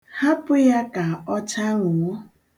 Hapụ ya ka ọ chaṅụọ.